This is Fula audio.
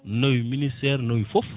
nowi ministére nowi foof